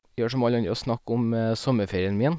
Gjør som alle andre og snakke om sommerferien min.